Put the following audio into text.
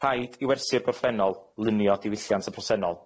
Rhaid i wersi'r gorffennol lunio diwylliant y presennol.